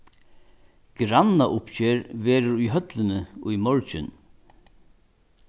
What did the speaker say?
grannauppgerð verður í høllini í morgin